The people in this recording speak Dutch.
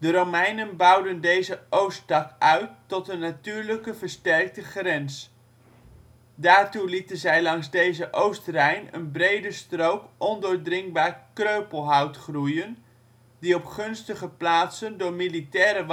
Romeinen bouwden deze oosttak uit tot een natuurlijke versterkte grens. Daartoe lieten zij langs deze Oost-Rijn een brede strook ondoordringbaar kreupelhout groeien, die op gunstige plaatsen door militaire